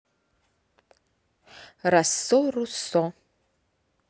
россо руссо